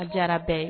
An jara bɛɛ